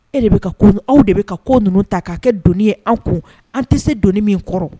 E de bɛ aw de bɛ ka ko ninnu ta k' kɛ doni ye an kun an tɛ se doni min kɔrɔ